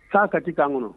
K taa kati k'an kɔnɔ